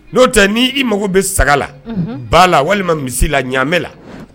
N'o tɛ ni i mago bɛ saga la ba la walima misi la ɲaamɛ la, unhun